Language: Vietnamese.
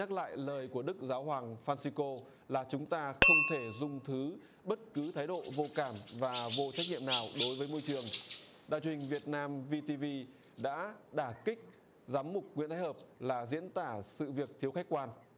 nhắc lại lời của đức giáo hoàng phan xi cô là chúng ta không thể dung thứ bất cứ thái độ vô cảm và vô trách nhiệm nào đối với môi trường đã trình việt nam vi ti vi đã đả kích giám mục nguyễn hợp là diễn tả sự việc thiếu khách quan